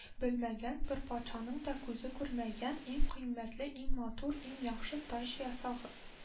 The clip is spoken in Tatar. Белмәгән, бер патшаның да күзе күрмәгән, иң кыйммәтле, иң матур, иң яхшы таҗ ясаг